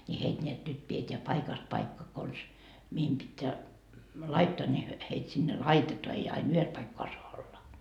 niin heitä näet nyt pidetään paikasta paikkaan konsa mihin pitää laittaa niin he heitä sinne laitetaan ei aina yhdessä paikkaa saa olla